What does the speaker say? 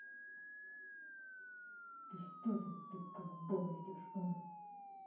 ты что ты как баба ведешь а